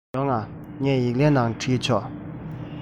ཡོང ང ངས ཡིག ལན ནང བྲིས ཆོག